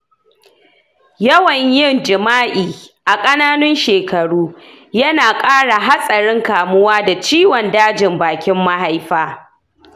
yawan yin jima'i a kananun shekaru yana kara hatsarin kamuwa da ciwon dajin bakin mahaifa.